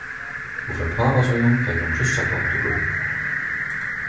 og frá pápa sínum fekk hon krússapott og krukku